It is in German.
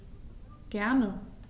Gerne.